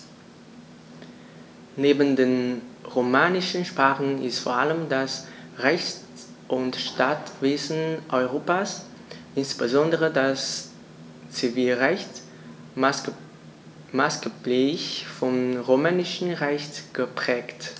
Neben den romanischen Sprachen ist vor allem das Rechts- und Staatswesen Europas, insbesondere das Zivilrecht, maßgeblich vom Römischen Recht geprägt.